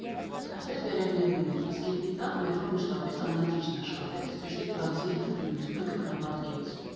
Այսպես վերևներում էր, իսկ գետնի տակ՝ մետրոն մշտապես ամենաճիշտն աշխատեց, ճշտից բացի էլ ակտիվությունը կրկնապատկեց։